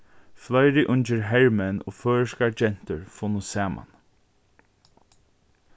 fleiri ungir hermenn og føroyskar gentur funnu saman